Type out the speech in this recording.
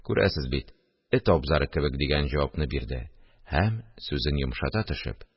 Күрәсез бит, эт абзары кебек, – дигән җавапны бирде һәм, сүзен йомшата төшеп: